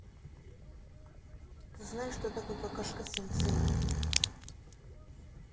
ты знаешь кто такой какаши сенсей